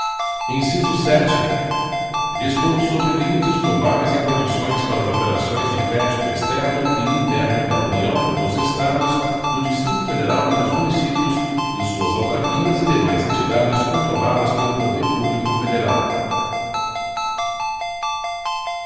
inciso sete dispor sobre limites globais e condições para as operações de crédito externo e interno da união dos estados do distrito federal e dos municípios de suas autarquias e demais entidades controladas pelo poder público federal